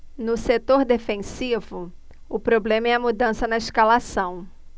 no setor defensivo o problema é a mudança na escalação